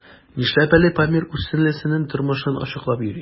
Нишләп әле Памир үз сеңлесенең тормышын ачыклап йөри?